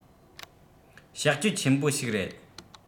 བཤག བཅོས ཆེན པོ ཞིག རེད